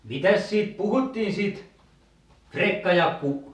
mitäs siitä puhuttiin siitä Frekkajakku